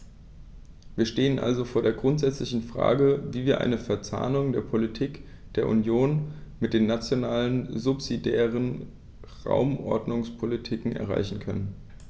Wir stehen also vor der grundsätzlichen Frage, wie wir eine Verzahnung der Politik der Union mit den nationalen subsidiären Raumordnungspolitiken erreichen können.